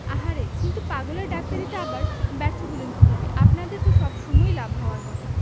আহা রে কিন্তু পাগলের ডাক্তারিতে আবার ব্যর্থ হলেন কীভাবে আপনাদের তো সব সময়ই লাভ হওয়ার কথা